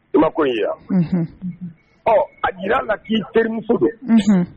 Kabako yi ɔ a jira la k'i teri don